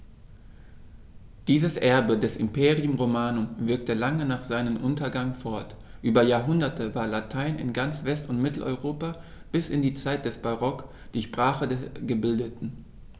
Dieses Erbe des Imperium Romanum wirkte lange nach seinem Untergang fort: Über Jahrhunderte war Latein in ganz West- und Mitteleuropa bis in die Zeit des Barock die Sprache der Gebildeten.